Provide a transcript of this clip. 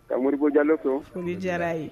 Ka moriri kojan netɔkun ni diyara ye